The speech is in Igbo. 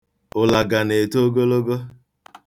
Ụlaga na-eto ogologo.